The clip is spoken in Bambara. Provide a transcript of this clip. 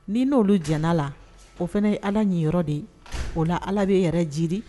N'i n'olu j la o fana ye ala nin yɔrɔ de o la ala bɛ yɛrɛ jiri